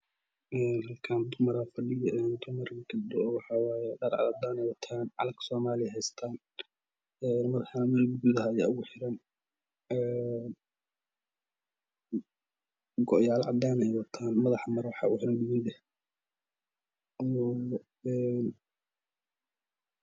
Halakan dumaraa fadhiyo dumar oo Dhar cad wato Calanka soomaliyo hestaan mara guduuda madaxa ugu xiran goyaal cadanii wataan mara guduudaa masaxa ugu xiran